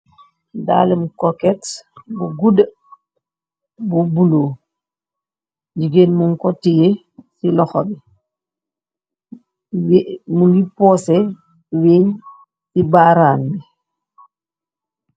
Dallum koket yu gudu bu bulo gigen mu ko tey si luhobi mugi pose wee si barambi.